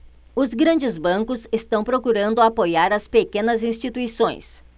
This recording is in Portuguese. os grandes bancos estão procurando apoiar as pequenas instituições